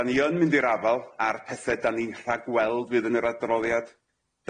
'Dan ni yn mynd i'r afal a'r pethe 'dan ni'n rhagweld fydd yn yr adroddiad.